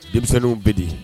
Denmisɛnww bɛ de